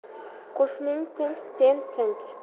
qo'shning tinch sen tinch